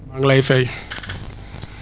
maa ngi lay fay